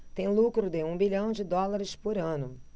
tem lucro de um bilhão de dólares por ano